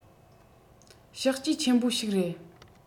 བཤག བཅོས ཆེན པོ ཞིག རེད